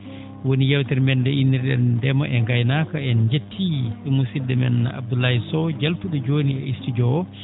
woni yeewtere men nde innir?en ndema e ngaynaaka en njettii musid?e men Abdoulaye Sow jaltu?o jooni e studio oo